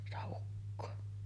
sitä ukkoa